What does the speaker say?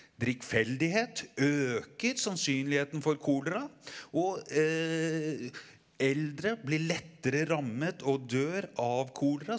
drikkfeldighet øker sannsynligheten for kolera og eldre blir lettere rammet og dør av kolera.